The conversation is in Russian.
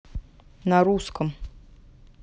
на русском